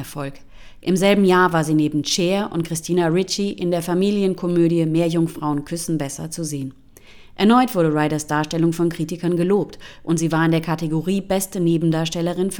Im selben Jahr war sie neben Cher und Christina Ricci in der Familienkomödie Meerjungfrauen küssen besser zu sehen. Erneut wurde Ryders Darstellung von Kritikern gelobt und sie war in der Kategorie Beste Nebendarstellerin